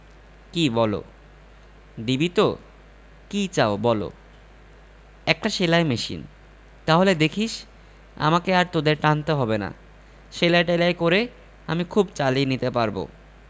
কি বলো দিবি তো কি চাও বলো একটা সেলাই মেশিন তাহলে দেখিস আমাকে আর তোদের টানতে হবে না সেলাই টেলাই করে আমি খুব চালিয়ে নিতে পারব